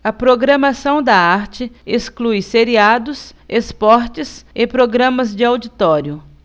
a programação da arte exclui seriados esportes e programas de auditório